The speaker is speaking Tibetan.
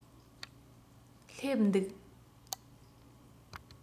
སླེབས འདུག